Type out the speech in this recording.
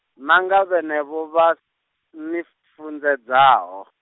na nga vhenevho vha, ni f- funḓedzaho.